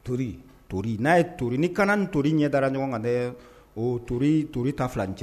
To to n'a ye to ni kana to ɲɛ dara ɲɔgɔn kan dɛ o to to ta fila cɛ